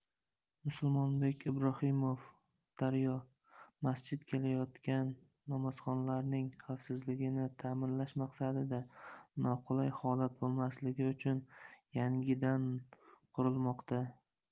musulmonbek ibrohimov daryo masjid kelayotgan namozxonlarning xavfsizligini ta'minlash maqsadida noqulay holat bo'lmasligi uchun yangidan qurilmoqda